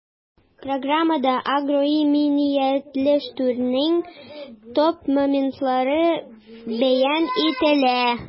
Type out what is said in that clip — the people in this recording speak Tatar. Программада агроиминиятләштерүнең төп моментлары бәян ителә.